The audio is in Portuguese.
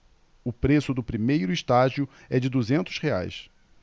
o preço do primeiro estágio é de duzentos reais